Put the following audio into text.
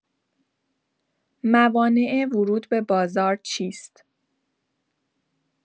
موانع ورود به بازار چیست؟